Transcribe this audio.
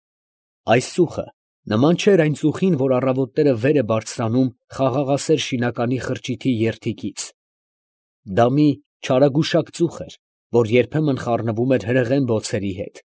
Այս ծուխը նման չէր այն ծուխին, որ առավոտները վեր է բարձրանում խաղաղասեր շինականի խրճիթի երդիքից. դա մի չարագուշակ ծուխ էր, որ երբեմն խառնվում էր հրեղեն բոցերի հետ։